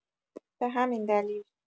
به همین دلیل